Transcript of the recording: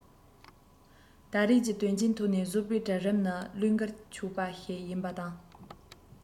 ད རེས ཀྱི དོན རྐྱེན ཐོག ནས བཟོ པའི གྲལ རིམ ནི བློས འགེལ ཆོག པ ཞིག ཡིན པ དང